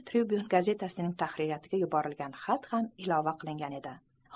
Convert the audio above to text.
tribyun gazetasining tahririyasiga yuborilgan xat ham ilova qilingan edi